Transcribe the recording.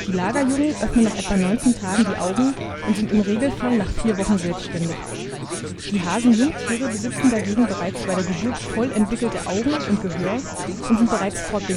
Lagerjungen öffnen nach etwa 19 Tagen die Augen und sind im Regelfall nach vier Wochen selbstständig. Die Hasenjungtiere besitzen dagegen bereits bei der Geburt voll entwickelte Augen und Gehör und sind bereits fortbewegungsfähig. Entsprechend